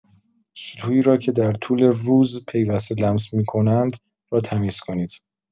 سطوحی را که در طول روز پیوسته لمس می‌کنند را تمیز کنید.